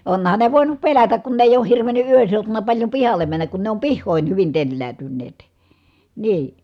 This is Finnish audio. onhan ne voinut pelätä kun ne ei ole hirvennyt yön seutuna paljon pihalle mennä kun ne on pihoihin hyvin telläytyneet niin